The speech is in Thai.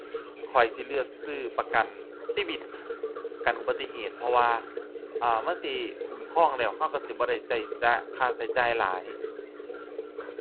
ข้อยสิเลือกซื้อประกันชีวิต ประกันอุบัติเหตุเพราะว่า อ่า มันสิคุ้มครองแล้วเราเราสิบ่ได้เราจ่าย ค่าเราจ่ายหลาย